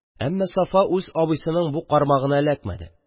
Әммә Сафа үз абыйсының бу кармагына эләкмәде: